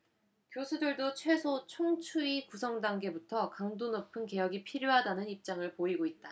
교수들도 최소 총추위 구성 단계부터 강도 높은 개혁이 필요하다는 입장을 보이고 있다